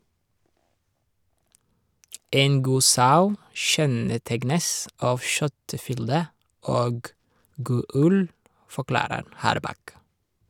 - En god sau kjennetegnes av kjøttfylde og god ull, forklarer Harbakk.